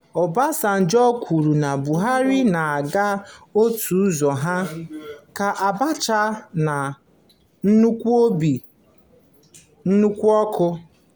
Obasanjo kwuru na Buhari na-aga "otu ụzọ ahụ" ka Abacha "na nnukwu obi nnụọkụ"